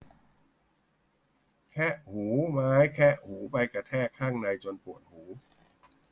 แคะหูไม้แคะหูไปกระแทกข้างในจนปวดหู